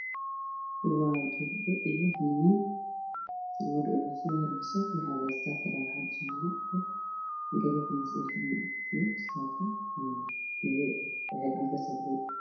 Waa gabdho iyo niman gabadha ugu soo horreyso waxay wadataa taaxad jaalle ah midda kalena waxay wadataa taraax